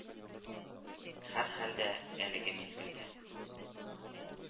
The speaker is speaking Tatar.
Һәрхәлдә, әлеге мизгелдә